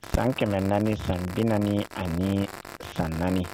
San kɛmɛ naani san bi naani ani san naani